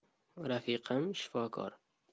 rafiqam shifokor